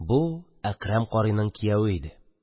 Бу – Әкрәм карыйның кияве иде.